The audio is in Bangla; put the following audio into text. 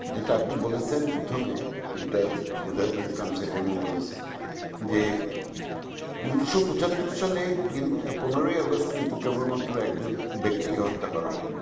যেটা আপনি বলেছেন প্রথমেই যেটা মুজাহিদুল ইসলাম সেলিম ও বলেছেন যে ১৯৭৫ সালের ১৫আগস্ট কিন্তু কেবলমাত্র একজন ব্যক্তিকে হত্যা করা হয়নি